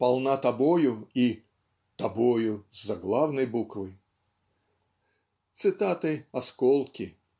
Полна тобою и Тобою с заглавной буквы. Цитаты - осколки.